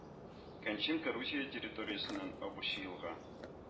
Кончинка Русия территориясеннән агучы елга